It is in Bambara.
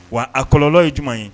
Wa a kɔlɔ ye jumɛn ye